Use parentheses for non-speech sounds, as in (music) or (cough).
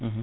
(hesitation) (hesitation)